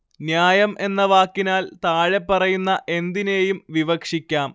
ന്യായം എന്ന വാക്കിനാൽ താഴെപ്പറയുന്ന എന്തിനേയും വിവക്ഷിക്കാം